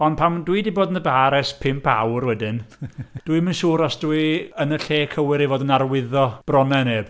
Ond pan dwi 'di bod yn y bar ers pump awr wedyn, dwi'm yn siŵr os dwi yn y lle cywir i fod yn arwyddo bronnau neb!